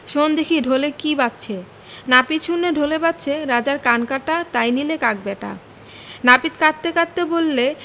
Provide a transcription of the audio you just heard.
শোন দেখি ঢোলে কী বাজছে নাপিত শুনলে ঢোলে বাজছে ‘রাজার কান কাটা তাই নিলে কাক ব্যাটা নাপিত কঁদতে কঁদতে বললে